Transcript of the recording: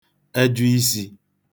eju isī